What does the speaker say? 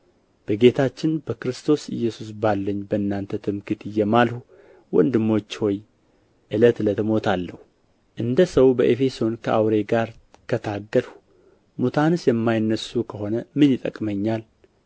በጌታችን በክርስቶስ ኢየሱስ ባለኝ በእናንተ ትምክህት እየማልሁ ወንድሞች ሆይ ዕለት ዕለት እሞታለሁ እንደ ሰው በኤፌሶን ከአውሬ ጋር ከታገልሁ ሙታንስ የማይነሡ ከሆነ ምን ይጠቅመኛል